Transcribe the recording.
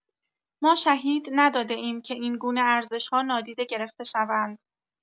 ما شهید نداده‌ایم که اینگونه ارزش‌ها نادیده گرفته شوند!